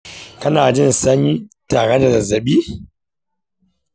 kana jin sanyi tare da zazzabin?